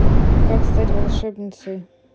как стать волшебницей